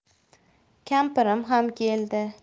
kampirim ham keldi